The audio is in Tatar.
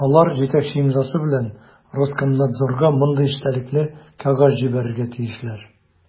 Алар җитәкче имзасы белән Роскомнадзорга мондый эчтәлекле кәгазь җибәрергә тиешләр: